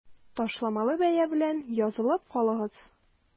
Ташламалы бәя белән язылып калыгыз!